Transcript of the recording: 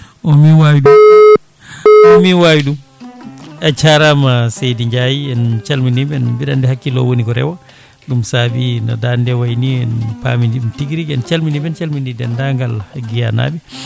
on min wawi ɗum on ko min wawi ɗum a jarama seydi Ndiaye en calminiɓe en mbeɗa andi hakkille o woni ko Rewo ɗum saabi no dande nde wayni en paami ɗum tigui rigui en calminiɓe en calmini dendagal Guiya naaɓe